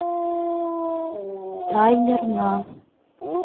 таймер на